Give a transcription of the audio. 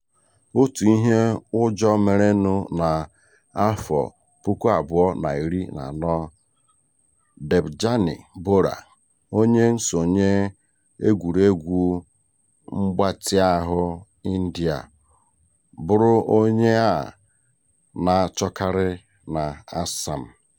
Otu ihe ụjọ merenụ na 2014, Debjani Bora, onye nsonye egwuregwu mgbatịahụ India, bụrụ onye a na-achọkarị na Assam.